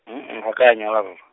ga ke a nyala r-.